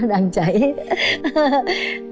nó đang chảy tức